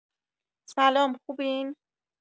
سلام خوبین؟